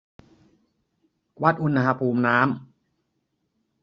วัดอุณหภูมิน้ำ